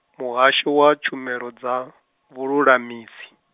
Muhasho wa Tshumelo dza, Vhululamisi.